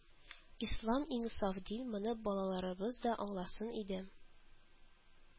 Ислам иң саф дин, моны балаларыбыз да аңласын иде